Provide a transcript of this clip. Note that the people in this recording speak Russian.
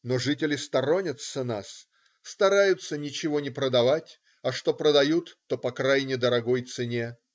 но жители сторонятся нас, стараются ничего не продавать, а что продают, то по крайне дорогой цене.